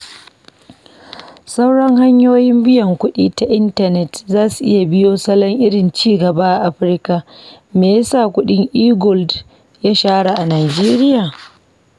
Sauran hanyoyin biyan kuɗi ta intanet za su iya biyo salon irin ci gaba a Afirka. Me ya sa kuɗin e-gold ya shahara a Nijeriya?